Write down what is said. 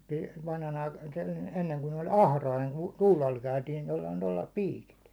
mutta - ennen kun oli atrain kun tuulaalla käytiin tuolla lailla tuolla lailla piikit